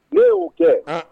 Ne y'u kɛ